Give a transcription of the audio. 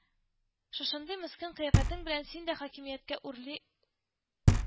“шушындый мескен кыяфәтең белән син дә хакимияткә үрли